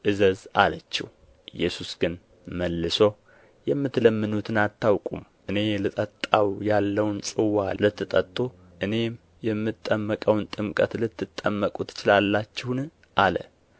እዘዝ አለችው ኢየሱስ ግን መልሶ የምትለምኑትን አታውቁም እኔ ልጠጣው ያለውን ጽዋ ልትጠጡ እኔም የምጠመቀውን ጥምቀት ልትጠመቁ ትችላላችሁን አለ